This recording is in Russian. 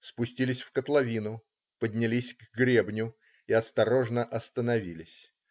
Спустились в котловину, поднялись к гребню и осторожно остановились.